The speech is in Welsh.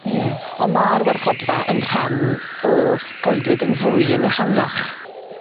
Ie on' ma'r warchodfa yn rhan o goedwig yn fwy yn ehangach.